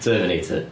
Terminator.